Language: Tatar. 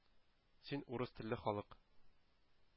Син — «урыс телле халык».